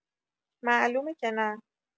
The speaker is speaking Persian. معلومه که نه.